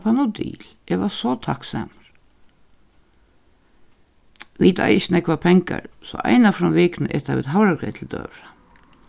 panodil eg var so takksamur vit eiga ikki nógvar pengar so eina ferð um vikuna eta vit havragreyt til døgurða